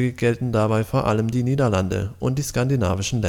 gelten dabei vor allem die Niederlande und die skandinavischen